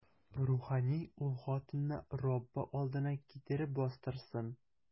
Рухани ул хатынны Раббы алдына китереп бастырсын.